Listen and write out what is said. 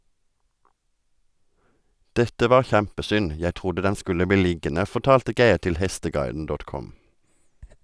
Dette var kjempesynd, jeg trodde den skulle bli liggende, fortalte Geir til hesteguiden.com.